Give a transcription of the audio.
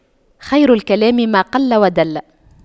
خير الكلام ما قل ودل